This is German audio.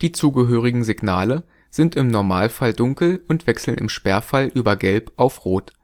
Die zugehörigen Signale sind im Normalfall dunkel und wechseln im Sperrfall über gelb auf rot